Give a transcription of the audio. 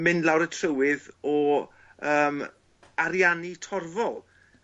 mynd lawr y trywydd o yym ariannu torfol.